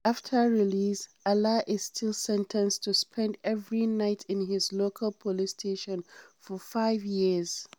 After release, Alaa is still sentenced to spend every night in his local police station for "five years".